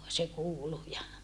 se kuului ja